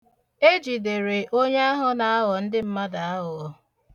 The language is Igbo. Ejidere onye ahụ na-aghọ ndị mmadụ aghụghọ.